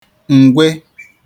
ngwe